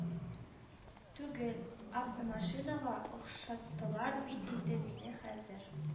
Түгел, автомашинага охшаттылар бит инде мине хәзер